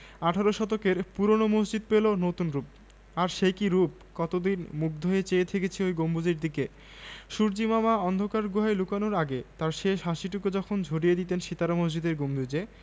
১০ ইতিহাস ঢাকা যে লাল ইটোয়ালা ইশকুলটার কথা বলছি তাই পাশেই একটা মসজিদ খুব সুন্দর অনেক দূর থেকে এসে দেখার মতো বিকেলে সন্ধায় কি জ্যোৎস্নারাতে